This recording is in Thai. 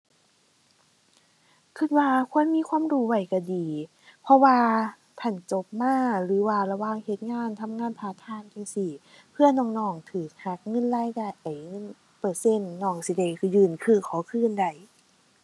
คิดว่าควรมีความรู้ไว้คิดดี เพราะว่าถ้าหั้นจบมา หรือว่าระหว่างเฮ็ดงาน ทำงานพาร์ตไทม์จั่งซี้ เผื่อน้องน้องคิดหักเงินรายได้เงินเปอร์เซ็นต์ น้องสิได้คือยื่น คือขอคืนได้